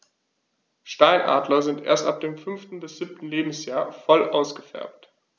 Steinadler sind erst ab dem 5. bis 7. Lebensjahr voll ausgefärbt.